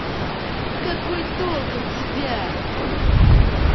какой толк от тебя